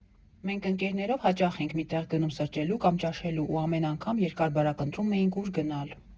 Մենք ընկերներով հաճախ ենք մի տեղ գնում սրճելու կամ ճաշելու, ու ամեն անգամ երկար֊բարակ ընտրում էինք՝ ուր գնալ։